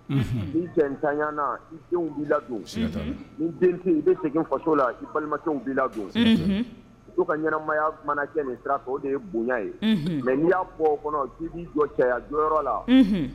Unhun. I cɛ tanyana i denw b'i ladon. Siga t'a la. Unhun. N'i den tɛ yen, i bɛ segin faso la. i balimankɛw b'i ladon. Unhun. Muso ka ɲɛnamaya mana kɛ ni sira fɛ, o de ye bonya ye. Unhun. Mais n'i y'a bɔ o kɔnɔ k'i b'i jɔ cɛya jɔyɔrɔ la. Unhun.